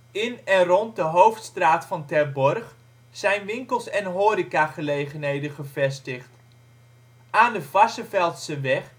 In en rond de Hoofdstraat van Terborg zijn winkels en horecagelegenheden gevestigd. Aan de Varsseveldseweg